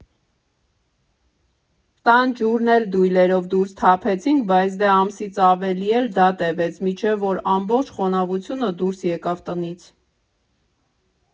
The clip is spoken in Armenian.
Տան ջուրն էլ դույլերով դուրս թափեցինք, բայց դե ամսից ավելի էլ դա տևեց, մինչև որ ամբողջ խոնավությունը դուրս եկավ տնից։